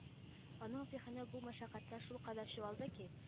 Аның зиһене бу мәшәкатьтән шулкадәр чуалды ки